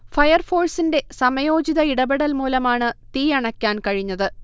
ഫയർഫോഴ്സിെൻറ സമയോചിത ഇടപെടൽ മൂലമാണ് തീയണക്കാൻ കഴിഞ്ഞത്